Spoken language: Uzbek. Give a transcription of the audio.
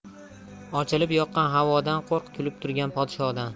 ochilib yoqqan havodan qo'rq kulib turgan podshodan